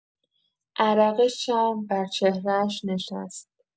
عرق شرم بر چهره‌اش نشست.